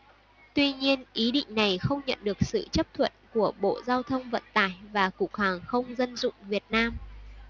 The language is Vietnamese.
tuy nhiên ý định này không nhận được sự chấp thuận của bộ giao thông vận tải và cục hàng không dân dụng việt nam